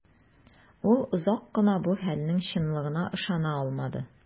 Ул озак кына бу хәлнең чынлыгына ышана алмады.